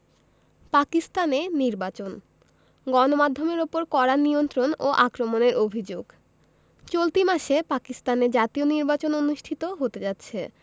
পাকিস্তানে নির্বাচন গণমাধ্যমের ওপর কড়া নিয়ন্ত্রণ ও আক্রমণের অভিযোগ চলতি মাসে পাকিস্তানে জাতীয় নির্বাচন অনুষ্ঠিত হতে যাচ্ছে